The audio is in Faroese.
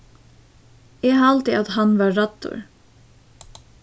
eg haldi at hann var ræddur